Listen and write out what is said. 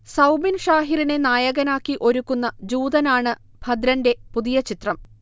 സൗബിൻ ഷാഹിറിനെ നായകനാക്കി ഒരുക്കുന്ന ജൂതനാണ് ദഭ്രന്റെ പുതിയ ചിത്രം